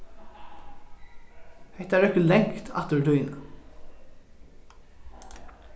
hetta røkkur langt aftur í tíðina